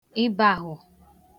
ịbàhụ̀